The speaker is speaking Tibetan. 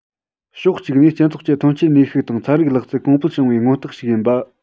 ཕྱོགས གཅིག ནས སྤྱི ཚོགས ཀྱི ཐོན སྐྱེད ནུས ཤུགས དང ཚན རིག ལག རྩལ གོང འཕེལ བྱུང བའི མངོན རྟགས ཤིག ཡིན པ